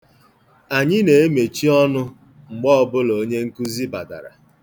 Anyị na-emechi ọnụ mgbe ọbụla onye nkụzi batara.